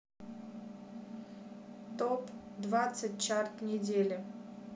топ двадцать чарт недели